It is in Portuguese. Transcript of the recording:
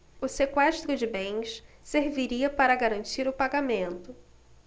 o sequestro de bens serviria para garantir o pagamento